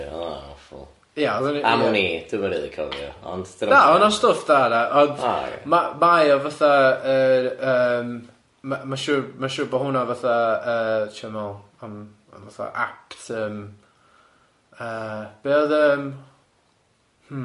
Ia oddan ni ia... Am wn i, dwi'm yn rili cofio ond dyna... Na o'dd 'na stwff da yna... Aye... ond ma- mae o fatha yr yym ma- ma siŵ- ma siŵr bod hwnna fatha yy trio me'l am fatha apt yym yy be o'dd yym hmm...